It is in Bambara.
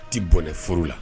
Tɛ bɔnɛf la